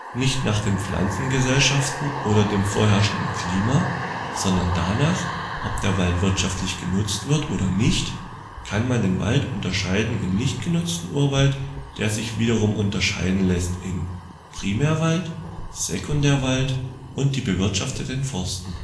Nicht nach den Pflanzengesellschaften oder dem vorherrschendem Klima, sondern danach, ob der Wald wirtschaftlich genutzt wird oder nicht, kann man den Wald unterscheiden in nicht genutzen Urwald, der sich wiederum unterscheiden lässt in: Primärwald Sekundärwald und die bewirtschafteten Forsten